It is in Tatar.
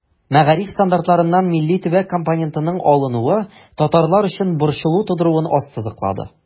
Мәгариф стандартларыннан милли-төбәк компонентының алынуы татарлар өчен борчылу тудыруын ассызыклады.